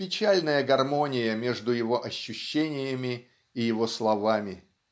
печальная гармония между его ощущениями и его словами.